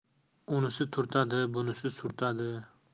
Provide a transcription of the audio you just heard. unisi turtadi bunisi surtadi